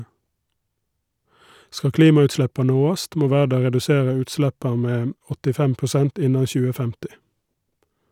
Skal klimautsleppa nåast, må verda redusera utsleppa med 85 prosent innan 2050.